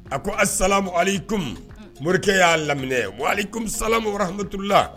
A ko a samu alim morikɛ y'a laminɛ wa ali sala mahamtula